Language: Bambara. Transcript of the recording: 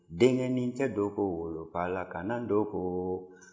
denkɛnin tɛ dogo a wolofa la kana dogo